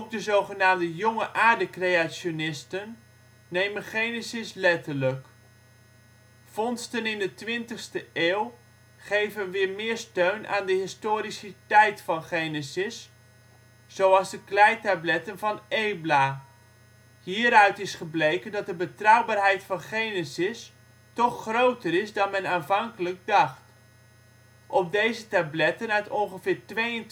de zogenaamde jonge aarde-creationisten nemen Genesis letterlijk. Vondsten in de 20e eeuw geven weer meer steun aan de historiciteit van Genesis, zoals de kleitabletten van Ebla. Hieruit is gebleken dat de betrouwbaarheid van Genesis toch groter is dan men aanvankelijk dacht. Op deze tabletten uit ongeveer 2200